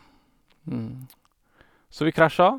Så vi kræsja.